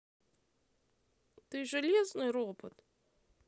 ты железный робот